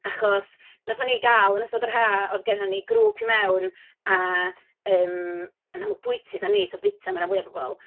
Achos wnaethon ni gael, yn ystod yr haf, oedd gennyn ni grŵp i mewn a, yym, yn amlwg bwyty dan ni, so byta ma' rhan fwya o bobl.